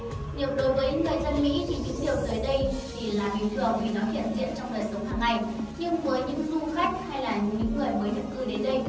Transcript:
với người mỹ họ có thể xem những điều dưới đây là bình thường vì chúng luôn hiện diện trong đời sống thường ngày nhưng với những người mới di cư đến hay du khách từ các nước